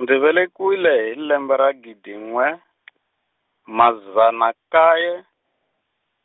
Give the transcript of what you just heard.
ndzi velekiwile hi lembe ra gidi n'we , madzana nkaye,